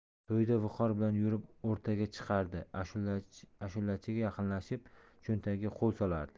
to'yda viqor bilan yurib o'rtaga chiqardi ashulachiga yaqinlashib cho'ntagiga qo'l solardi